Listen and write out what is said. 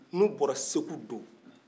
ni u bɔra segu do